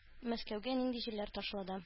Мәскәүгә нинди җилләр ташлады?